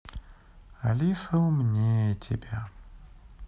алиса умнее тебя